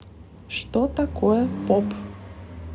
что такое pop